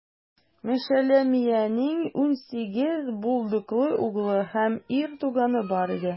Мешелемиянең унсигез булдыклы углы һәм ир туганы бар иде.